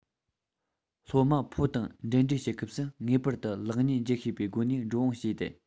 སློབ མ ཕོ དང འབྲེལ འདྲིས བྱེད སྐབས སུ ངེས པར དུ ལེགས ཉེས འབྱེད ཤེས པའི སྒོ ནས འགྲོ འོང བྱས ཏེ